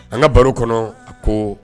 An ka baro kɔnɔ a ko